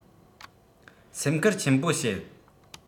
སེམས ཁུར ཆེན པོ བྱེད